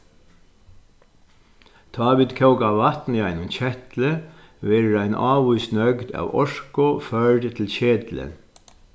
tá vit kóka vatn í einum ketli verður ein ávís nøgd av orku førd til ketilin